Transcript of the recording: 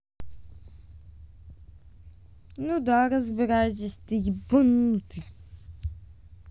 ну да разбирайтесь ты ебанутый